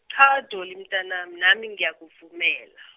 cha Dolly mntanami nami ngiyakuvumela.